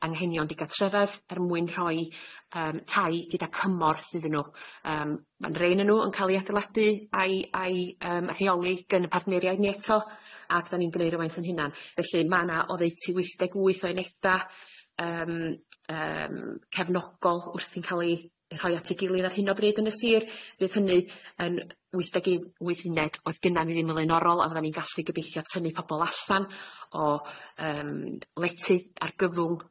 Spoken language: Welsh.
anghenion digatrefedd er mwyn rhoi yym tai gyda cymorth iddyn nw yym ma'n rei ynnyn nw yn ca'l 'i adeiladu a'i a'i yym rheoli gyn y pardneriaid ni eto ac 'dan ni'n gneu' rywaint 'yn hunan felly ma' 'na oddeutu wyth deg wyth o uneda yym yym cefnogol wrthi'n ca'l 'i yy rhoi at 'i gilydd ar hyn o bryd yn y sir fydd hynny yn wyth deg u- wyth uned oedd gynnan ni ddim yn fleunorol a fyddan ni'n gallu gobeithio tynnu pobol allan o yym lety argyfwng